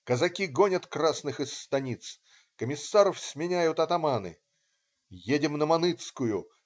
Казаки гонят красных из станиц. Комиссаров сменяют атаманы. Едем на Маныцкую.